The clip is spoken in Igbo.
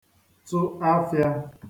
tụ afịa